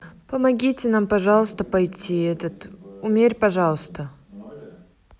помоги нам пожалуйста пойти этот умерь пожалуйста